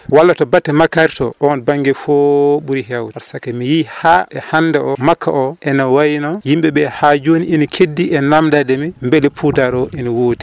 walla to batte makkari to on banggue fooo ɓuuri hewde sake miyi ha hande o makka o ene wayno yimɗeɗe ha joni ina keddi e namdademi beele poudare o ene wodi